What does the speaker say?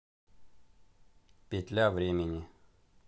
петля времени